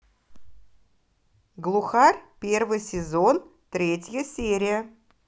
глухарь первый сезон третья серия